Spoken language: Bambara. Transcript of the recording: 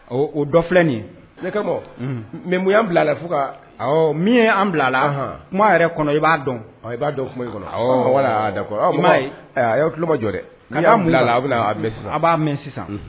O dɔ filɛ nin ne ka bɔ mɛ'an bilala fo ka min ye an bila la kuma yɛrɛ kɔnɔ i b'a dɔn b'a dɔn kuma kɔnɔ da kuma a ye' tuloloma jɔ dɛ' y' bila la a b'a mɛn sisan